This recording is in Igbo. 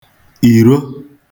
ìro